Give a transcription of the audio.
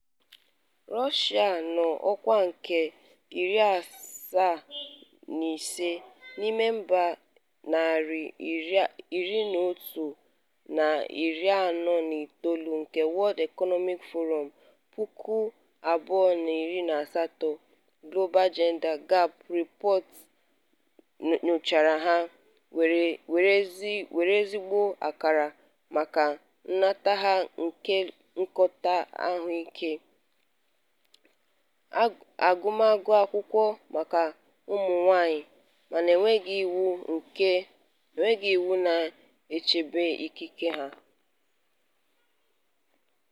Russia nọ n'ọkwá nke 75 n'ime mba 149 nke World Economic Forum 2018 Global Gender Gap Report nyochara, ha nwere ezigbo akara maka nhatanha nlekọta ahụike na agụmakwụkwọ maka ụmụnwaanyị, mana enweghị iwu na-echebe ikike ha.